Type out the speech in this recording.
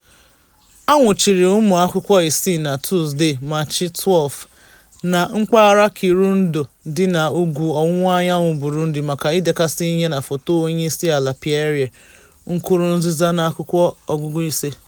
Ha nwụchiri ụmụakwụkwọ isii na Tuzdee, Maachị 12, na mpaghara Kirundo dị na ugwu ọwụwaanyanwụ Burundi maka idekasị ihe na foto Onyeisiala Pierre Nkurunziza n'akwụkwọ ọgụgụ ise.